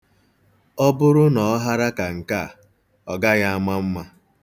Ọ bụrụ na ọ hara ka nke a, ọ gaghị ama mma.